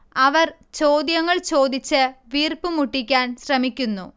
അവർ ചോദ്യങ്ങൾ ചോദിച്ച് വീർപ്പ് മുട്ടിക്കാൻ ശ്രമിക്കുന്നു